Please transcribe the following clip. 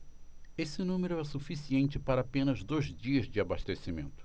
esse número é suficiente para apenas dois dias de abastecimento